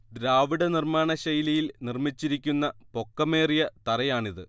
ദ്രാവിഡ നിർമ്മാണശൈലിയിൽ നിർമ്മിച്ചിരിക്കുന്ന പൊക്കമേറിയ തറയാണിത്